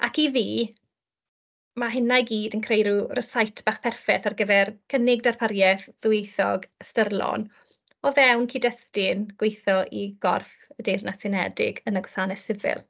Ac i fi, ma' hynna i gyd yn creu ryw rysait bach perffaith ar gyfer cynnig darpariaith ddwyieithog ystyrlon o fewn cyd-destun gweitho i gorff y Deyrnas Unedig yn y gwasaneth sifil.